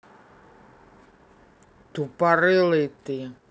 тупорылый ты